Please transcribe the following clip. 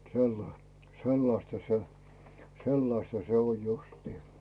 - sellaista se sellaista se on justiin